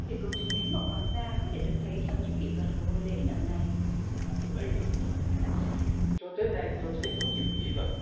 trở lại viện bảo tàng cùng ông rô bớt âu ki nhà sưu tập nói vì công chúng mến mộ hoàng gia có thể được